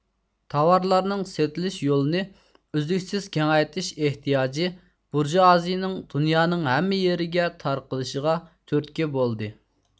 تاۋارلارنىڭ سېتىلىش يولىنى ئۈزلۈكسىز كېڭەيتىش ئېھتىياجى بۇرژۇئازىيىنىڭ دۇنيانىڭ ھەممە يېرىگە تارقىلىشىغا تۈرتكە بولدى